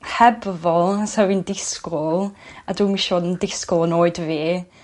hebo fo sa fi'n disgwl a dwi'm isio yn disgwl 'yn oed fi.